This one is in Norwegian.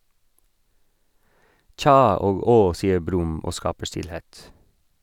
"Tja" og "Åh!", sier Brumm og skaper stillhet.